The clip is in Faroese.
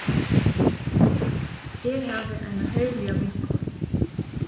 eg havi eina herliga vinkonu